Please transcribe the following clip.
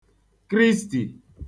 Kristi